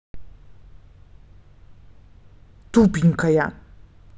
тупенькая